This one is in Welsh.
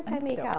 Yndw.